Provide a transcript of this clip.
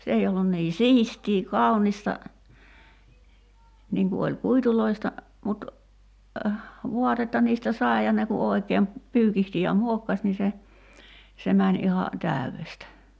se ei ollut niin siistiä kaunista niin kuin oli kuiduista mutta vaatetta niistä sai ja ne kun oikein pyykitsi ja muokkasi niin se se meni ihan täydestä